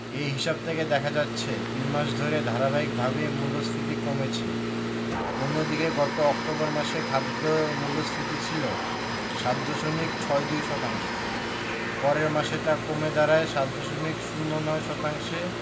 এ হিসাব থেকে দেখা যাচ্ছে তিন মাস ধরে ধারাবাহিকভাবেই মূল্যস্ফীতি কমেছে অন্যদিকে গত অক্টোবর মাসে খাদ্য মূল্যস্ফীতি ছিল ৭ দশমিক ৬২ শতাংশ পরের মাসে তা কমে দাঁড়ায় ৭ দশমিক ০৯ শতাংশে